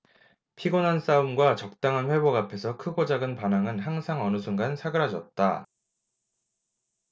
피곤한 싸움과 적당한 회복 앞에서 크고 작은 반항은 항상 어느 순간 사그라졌다